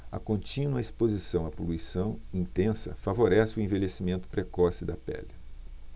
a contínua exposição à poluição intensa favorece o envelhecimento precoce da pele